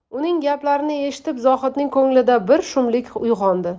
uning gaplarini eshitib zohidning ko'nglida bir shumlik uyg'ondi